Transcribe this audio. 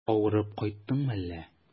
Авырып кайттыңмы әллә?